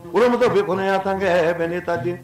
Wolomuso be kɔnɔya 10 kɛɛ bɛɛ n'i ta den